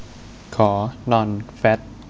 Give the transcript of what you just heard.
ขอนอนแฟต